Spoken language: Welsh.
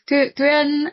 dwi dwi yn